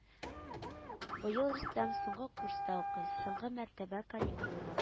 Быел Рөстәм соңгы курста укый, соңгы мәртәбә каникулга